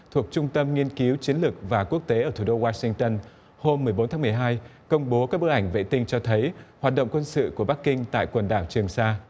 thuộc trung tâm nghiên cứu chiến lược và quốc tế ở thủ đô goa sinh tân hôm mười bốn tháng mười hai công bố các bức ảnh vệ tinh cho thấy hoạt động quân sự của bắc kinh tại quần đảo trường sa